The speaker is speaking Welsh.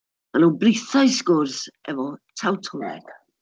Maen nhw'n britho'u sgwrs efo tawtoleg.